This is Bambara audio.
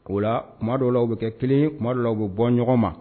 O la tuma dɔw bɛ kɛ kelen tuma bɛ bɔ ɲɔgɔn ma